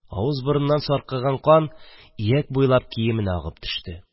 Авыз-борыннан саркыган кан ияге буйлап киеменә агып төште.